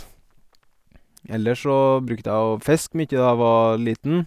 Ellers så brukte jeg å fiske mye da jeg var liten.